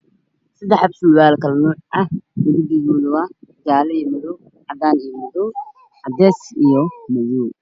Saddex xabo surwaal kala nooc ah midabkoodu waa jaalle iyo madow caddaan iyo madow cadees iyo madow